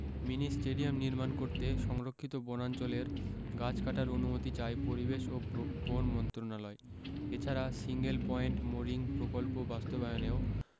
mini stadium নির্মাণ করতে সংরক্ষিত বনাঞ্চলের গাছ কাটার অনুমতি চায় পরিবেশ ও ব বন মন্ত্রণালয় এছাড়া সিঙ্গেল পয়েন্ট মোরিং প্রকল্প বাস্তবায়নেও